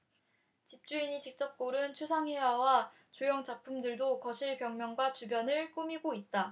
집주인이 직접 고른 추상 회화와 조형 작품들도 거실 벽면과 주변을 꾸미고 있다